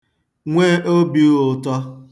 nwe obīụ̄tọ̄